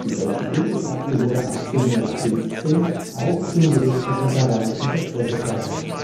Deutsche Bundesakte wurde 1815 auch zum juristischen Garanten der Pressefreiheit